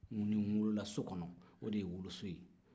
nin wolo la so kɔnɔ o de woloso ye